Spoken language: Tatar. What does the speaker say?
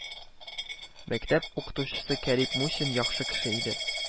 Мәктәп укытучысы Карип Мусин яхшы кеше иде